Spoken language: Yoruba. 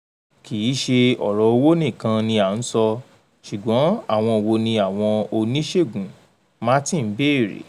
"Kìí ṣe ọ̀rọ̀ owó nìkan ni à ń sọ, ṣùgbọ́n àwọn wo ni àwọn oníṣègùn?" Martin bèère.